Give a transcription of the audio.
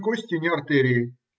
Ни кости, ни артерии.